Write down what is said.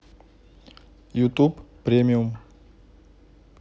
ютуб премиум